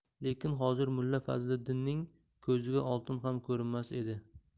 lekin hozir mulla fazliddinning ko'ziga oltin ham ko'rinmas edi